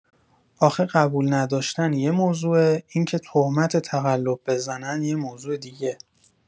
آخه قبول نداشتن یه موضوعه، اینکه تهمت تقلب بزنن یه موضوع دیگه